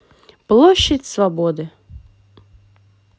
площадь свободы